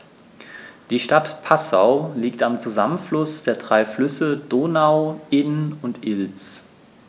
Die Stadt Passau liegt am Zusammenfluss der drei Flüsse Donau, Inn und Ilz.